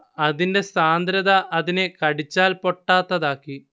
അതിന്റെ സാന്ദ്രത അതിനെ കടിച്ചാൽ പൊട്ടാത്തതാക്കി